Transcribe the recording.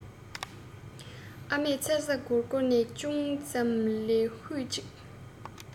ཨ མ མཚེར ས སྒོར སྒོར ནས ཅུང ཙམ ལ ཧོད ཅིག